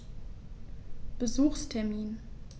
Besuchstermin